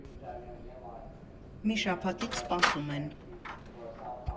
Մի շաբաթից սպասում են։